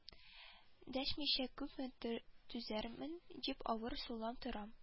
Дәшмичә күпме түзәрмен дип авыр сулап торам